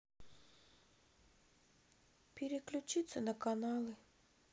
переключиться на каналы